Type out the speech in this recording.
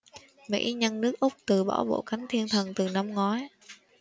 mỹ nhân nước úc từ bỏ bộ cánh thiên thần từ năm ngoái